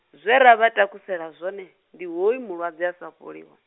zwe ra vha takusela zwone, ndi hoyu mulwadze asa fholiho.